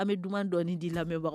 An bɛ dunan dɔnɔni di lamɛnbagaw